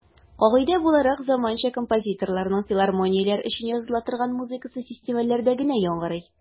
Кагыйдә буларак, заманча композиторларның филармонияләр өчен языла торган музыкасы фестивальләрдә генә яңгырый.